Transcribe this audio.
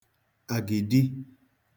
àgìdi